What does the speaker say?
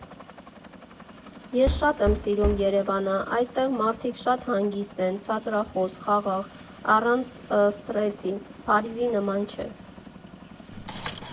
Ես շատ եմ սիրում Երևանը, այստեղ մարդիկ շատ հանգիստ են, ցածրախոս, խաղաղ, առանց սթրեսի, Փարիզի նման չէ։